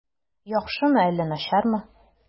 Яхшымы әллә начармы?